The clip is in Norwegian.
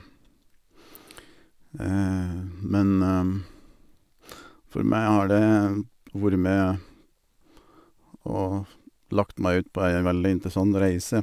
Men for meg har det vore med og lagt meg ut på ei veldig interessant reise.